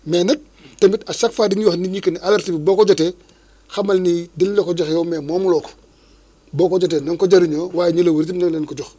mais nag tamit à chaque fois dañuy wax nit ñi que ne alerte bi boo ko jotee xamal ni dañ la ko jox yow mais moomu loo ko boo ko jotee na nga ko jëriñoo waaye ñi la wër tamit na nga leen ko jox